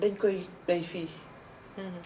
dañu koy bay fii